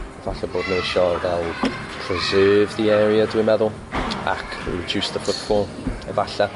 falle bod nw isio fel preserve the area dwi'n meddwl ac reduce the footfall efalle.